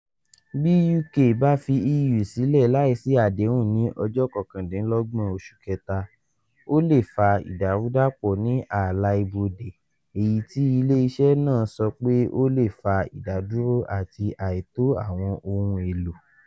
Bí UK bá fi EU sílẹ̀ láìsí àdéhùn ní ọjọ́ 29 oṣù Kẹta, ó lè fa ìdàrúdàpọ̀ ní ààlà ibodè, èyí tí ilé-iṣẹ́ náà sọ pé ó lè fa ìdàdúró àti àìtó àwọn ohun èlò.